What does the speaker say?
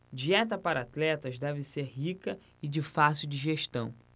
dieta para atletas deve ser rica e de fácil digestão